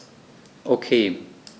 Okay.